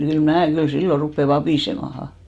kyllä minä kyllä silloin rupean vapisemaan